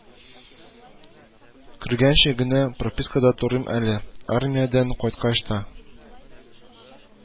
Кергәнче генә пропискада торыйм әле, армиядән кайткач та